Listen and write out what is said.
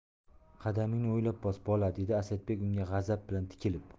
qadamingni o'ylab bos bola dedi asadbek unga g'azab bilan tikilib